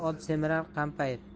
ot semirar qampayib